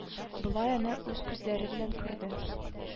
Болай әнә үз күзләре белән күрде